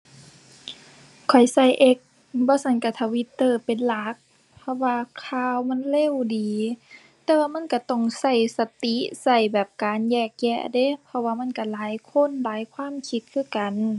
ข้อยใช้ X บ่ซั้นใช้ Twitter เป็นหลัก เพราะว่าข่าวมันเร็วดี แต่ว่ามันใช้ต้องใช้สติ ใช้แบบการแยกแยะเดะ เพราะว่ามันใช้หลายคนหลายความคิดคือกัน